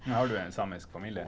ja har du en samisk familie?